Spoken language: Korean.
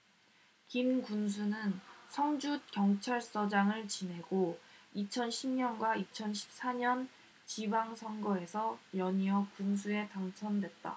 김 군수는 성주경찰서장을 지내고 이천 십 년과 이천 십 사 년 지방선거에서 연이어 군수에 당선됐다